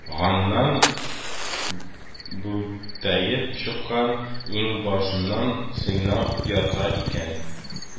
Ганнан бүлтәеп чыккан иңбашын сыйнап ята икән